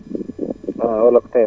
ça va na nga def